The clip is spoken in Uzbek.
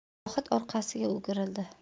zohid orqasiga o'girildi